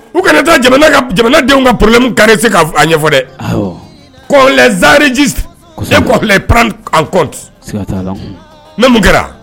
U kana taa jamanadenw ka porolemu karirese ka ɲɛfɔ dɛ kɔ zarijilɛ kɔn ne mun kɛra